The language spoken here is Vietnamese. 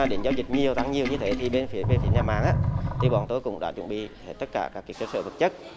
đến giao dịch nhiều tăng nhiều như thế thì bên phía về phía nhà mạng á thì bọn tôi cũng đã chuẩn bị hết tất cả các cơ sở vật chất